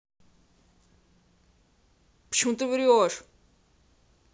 почему ты врешь